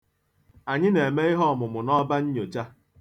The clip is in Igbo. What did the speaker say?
Anyị na-eme ihe ọmụmụ n'ọbannyocha.